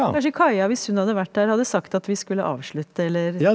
kanskje Kaja, hvis hun hadde vært her, hadde sagt at vi skulle avslutte eller.